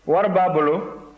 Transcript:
wari b'a bolo